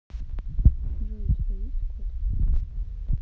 джой у тебя есть кот